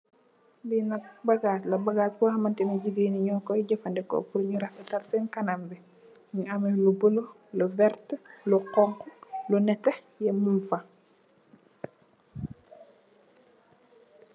Lii nak bagassla. Bagass bohamntaneh gigeen yii nyokoy jefandiko purr nyu refatal sen kanam bi, mungi ameh yu bula, lu vertt, lu xonxu, lu neteh yep mungfa.